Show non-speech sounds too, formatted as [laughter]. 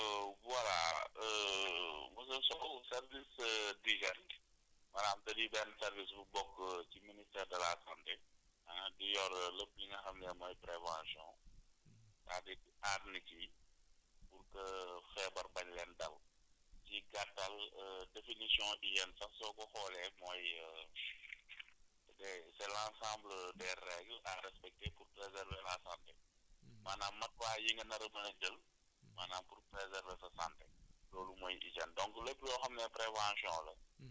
[hesitation] voilà [hesitation] monsieur Sow service [hesitation] d' hygène maanaam da di benn service bu bokk ci ministère de la santé ah bi yor lépp li nga xam ne mooy prévention ak di aar nit ñi pour que feebar bañ leen dal ci gàttal [hesitation] définition hygène sax soo ko xoolee mooy [noise] c' est c' est l' ensemble des règles à respecter pour préserver la santé maanaam matuwaay yi nga nar a mën a jël maanaam pour préserver sa santé loolu mooy hygène donc lépp loo xam ne prévention la